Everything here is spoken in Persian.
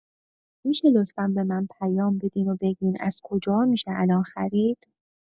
می‌شه لطفا به من پیام بدین بگین از کجاها می‌شه الان خرید؟